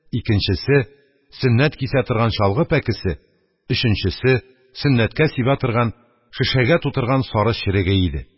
Икенчесе – сөннәт кисә торган чалгы пәкесе, өченчесе – сөннәткә сибә торган, шешәгә тутырган сары череге иде.